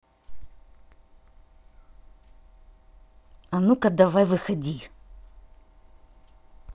а ну ка давай выходи